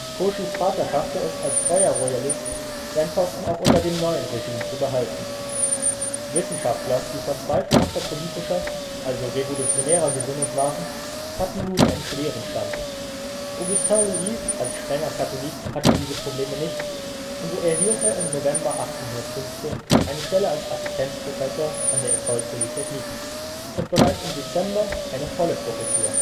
Cauchys Vater schaffte es als treuer Royalist, seinen Posten auch unter dem neuen Regime zu behalten. Wissenschaftler, die von zweifelhafter politischer, also revolutionärer Gesinnung waren, hatten nun einen schweren Stand. Augustin Louis als strenger Katholik hatte diese Probleme nicht, und so erhielt er im November 1815 eine Stelle als Assistenzprofessor an der École Polytechnique und bereits im Dezember eine volle Professur